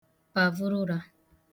pàvuru ụra